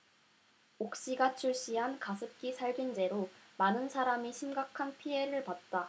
옥시가 출시한 가습기살균제로 많은 사람이 심각한 피해를 봤다